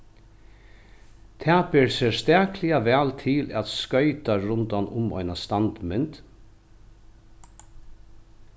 tað ber serstakliga væl til at skoyta rundan um eina standmynd